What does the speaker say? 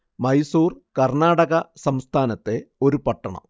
മൈസൂർ കർണാടക സംസ്ഥാനത്തെ ഒരു പട്ടണം